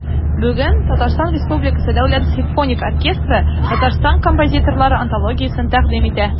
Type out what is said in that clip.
Бүген ТР Дәүләт симфоник оркестры Татарстан композиторлары антологиясен тәкъдим итә.